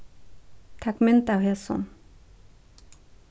tak mynd av hesum